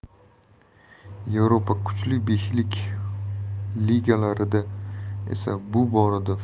yevropa kuchli beshlik ligalarida esa bu borada